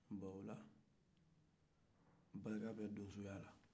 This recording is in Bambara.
bon ola barika bɛ donsoya la